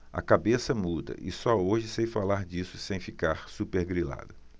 a cabeça muda e só hoje sei falar disso sem ficar supergrilada